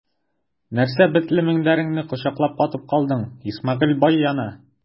Нәрсә бетле мендәреңне кочаклап катып калдың, Исмәгыйль бай яна!